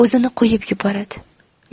o'zini qo'yib yuboradi